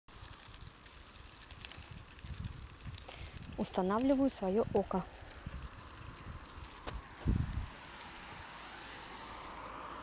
устанавливаю свое око